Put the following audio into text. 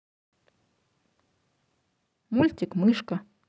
мультик мышка